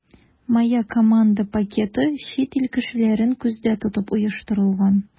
“моя команда” пакеты чит ил кешеләрен күздә тотып оештырылган.